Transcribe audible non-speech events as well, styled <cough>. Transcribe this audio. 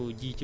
<hesitation> <hesitation>